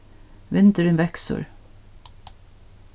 vindurin veksur